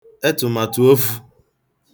ẹtụ̀màtụ̀ ofū